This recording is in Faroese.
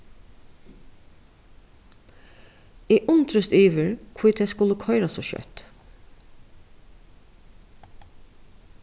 eg undrist yvir hví tey skulu koyra so skjótt